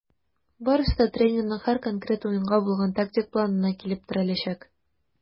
Барысы да тренерның һәр конкрет уенга булган тактик планына килеп терәләчәк.